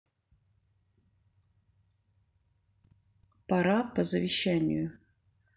пора по завещанию